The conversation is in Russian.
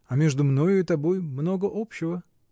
а между мною и тобой много общего.